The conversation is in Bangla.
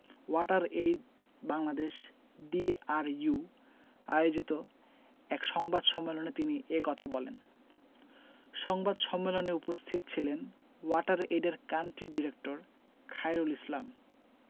ওয়াটার এইড বাংলাদেশ ডিআরইউ আয়োজিত এক সংবাদ সম্মেলন তিনি এ কথা বলেন সংবাদ সম্মেলনে উপস্থিত ছিলেন ওয়াটার এইডের কান্ট্রি ডিরেক্টর খায়রুল ইসলাম